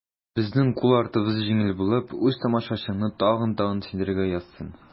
Безнең кул артыбыз җиңел булып, үз тамашачыңны тагын-тагын сөендерергә язсын.